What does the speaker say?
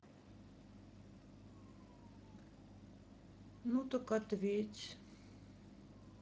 ну так ответь